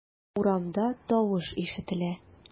Урамда тавыш ишетелә.